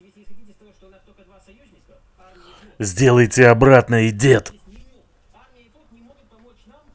сделайте обратно идет